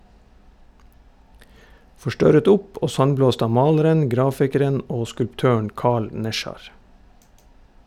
Forstørret opp og sandblåst av maleren, grafikeren og skulptøren Carl Nesjar.